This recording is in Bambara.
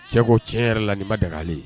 Cɛ ko tiɲɛ yɛrɛ la niba dagagalen